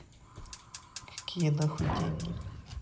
какие нахуй деньги